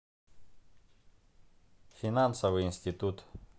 финансовый институт